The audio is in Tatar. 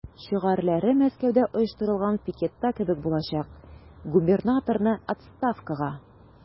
Шигарьләре Мәскәүдә оештырылган пикетта кебек булачак: "Губернаторны– отставкага!"